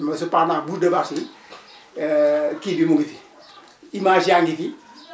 mais cependant bouse de vache yi kii bi mu ngi fi image yaa ngi fi